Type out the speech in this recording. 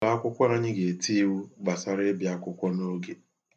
Ụlọakwụkwọ anyị ga-eti iwu gbasara ịbịa akwụkwọ n'oge